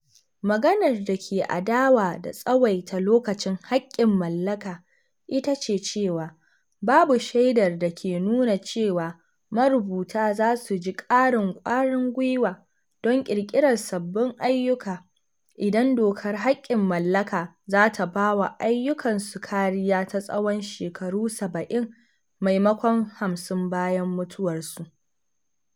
Maganar da ke adawa da tsawaita lokacin haƙƙin mallaka ita ce cewa babu shaidar da ke nuna cewa marubuta za su ji ƙarin ƙwarin gwiwa don ƙirƙirar sabbin ayyuka, idan dokar haƙƙin mallaka zata bawa ayyukan su kariya ta tsawon shekaru 70 maimakon 50 bayan mutuwarsu.